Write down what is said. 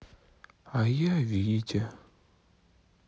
а я витя